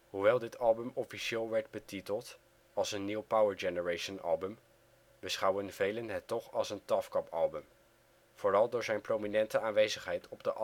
Hoewel dit album officieel werd betiteld als een New Power Generation-album, beschouwen velen het toch als een TAFKAP-album, vooral door zijn prominente aanwezigheid op de